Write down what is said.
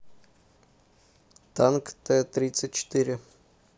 танк тэ тридцать четыре